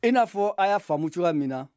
i n'a fɔ a' y'a faamu cogoya min na